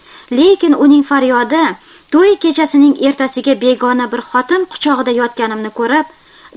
lekin uning faryodi to'y kechasining ertasiga begona bir xotin quchog'ida yotganimni ko'rib